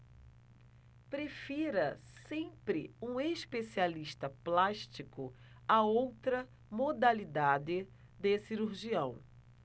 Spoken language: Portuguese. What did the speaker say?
prefira sempre um especialista plástico a outra modalidade de cirurgião